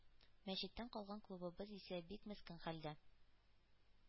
Мәчеттән калган клубыбыз исә бик мескен хәлдә.